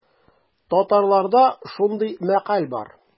Татарларда шундый мәкаль бар.